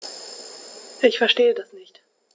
Ich verstehe das nicht.